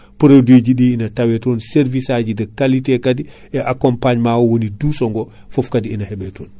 produit ɗi ina tawe ton service saji de qualité kaadi e accompagnement o woni duuso ngo foof kaadi ina heɓe ton